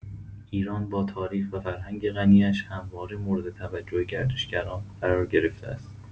ایران با تاریخ و فرهنگ غنی‌اش همواره مورد توجه گردشگران قرار گرفته است.